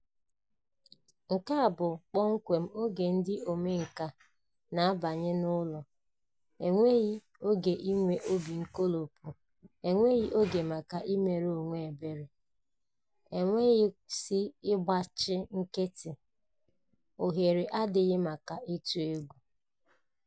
Nke a bụ kpọmkwem oge ndị omenka na-abanye n'ọrụ. E nweghị oge inwe obi nkoropụ, e nweghị oge maka imere onwe ebere, e kwesịghị ịgbachi nkịtị, ohere adịghị maka ịtụ egwu.